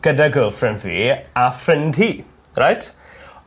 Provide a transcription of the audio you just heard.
gyda girlfriend fi a ffrind hi, reit?